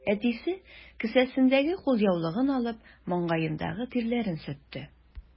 Әтисе, кесәсендәге кулъяулыгын алып, маңгаендагы тирләрен сөртте.